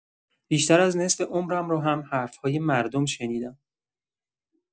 بیشتر از نصف عمرم رو هم حرف‌های مردم شنیدم.